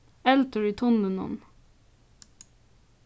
eldur í tunlinum